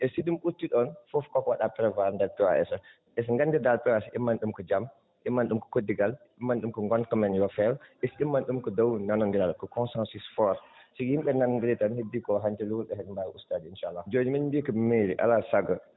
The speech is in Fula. e so ɗum ɓurtii ɗoon fof ko ko waɗaa prévoir ndeer POAS e ko nganndirɗaa POAS immanii ɗum ko jam immanii ɗum ko kaddigal immanii ɗum ko gonka men yo feew e immanii ɗum ko dawri nanonndiral ko consensus fort so yimɓe nanonndirii tan ko heddii ko han kadi ne ene waawi ustaade inchallah jooni min mbiyi ko mairie alaa e sago